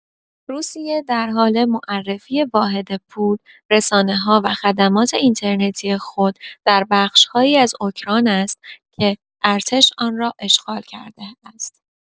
روسیه در حال معرفی واحد پول، رسانه‌ها و خدمات اینترنتی خود در بخش‌هایی از اوکراین است که ارتش آن را اشغال کرده است.